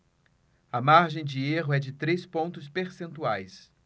a margem de erro é de três pontos percentuais